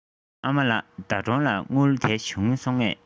ཨ མ ལགས ཟླ སྒྲོན ལ དངུལ དེ བྱུང སོང ངས